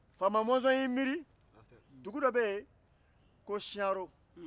faama mɔnzɔn y'i miiri dugu dɔ bɛ yen ko saro